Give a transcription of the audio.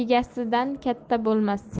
ham egasidan katta bo'lmas